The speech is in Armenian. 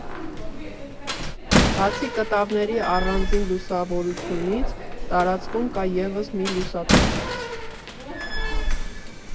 Բացի կտավների առանձին լուսավորությունից՝ տարածքում կա ևս մի լուսատու։